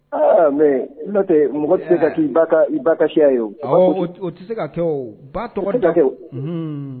Aa mɛ n'o tɛ mɔgɔ tɛ ka i ba kasisiya ye o tɛ se ka ba ka kɛhun